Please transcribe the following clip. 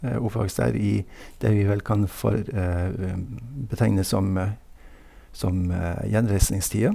Er oppvokst der i det vi vel kan for betegne som som gjenreisningstida.